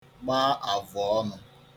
gba àvọ̀ọnụ̄